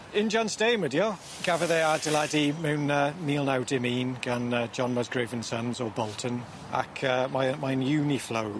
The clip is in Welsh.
Injan stêm ydi o. Gafodd e adeiladu mewn yy mil naw dim un gan yy John Musgrave an' Sons o Bolton ac yy mae e mae'n uniflow.